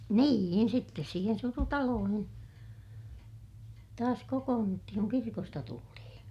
niin sitten siihen surutaloihin taas kokoonnuttiin kun kirkosta tultiin